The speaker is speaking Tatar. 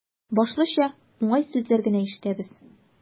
Башлыча, уңай сүзләр генә ишетәбез.